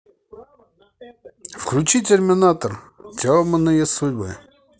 включи терминатор темные судьбы